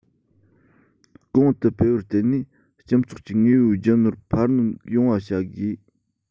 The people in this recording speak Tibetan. གོང དུ སྤེལ བར བརྟེན ནས སྤྱི ཚོགས ཀྱི དངོས པོའི རྒྱུ ནོར འཕར སྣོན ཡོང བ བྱ དགོས